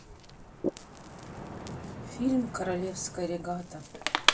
фильм королевская регата